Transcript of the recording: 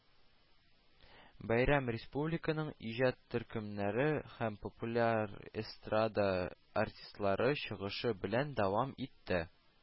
Бәйрәм республиканың иҗат тркемнәре һәм популяр эстрада артистлары чыгышы белән дәвам итте